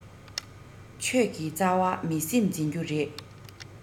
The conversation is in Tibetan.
ཆོས ཀྱི རྩ བ མི སེམས འཛིན རྒྱུ རེད